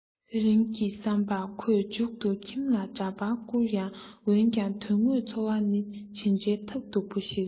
རིང གི བསམ པར ཁོས མཇུག ཏུ ཁྱིམ ལ འདྲ པར བསྐུར ཡང འོན ཀྱང དོན དངོས འཚོ བ ནི ཇི འདྲའི ཐབས སྡུག པ ཞིག རེད